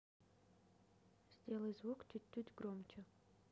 сделай звук чуть чуть громче